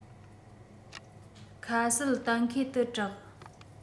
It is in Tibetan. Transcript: ཁ གསལ གཏན འཁེལ ཏུ གྲགས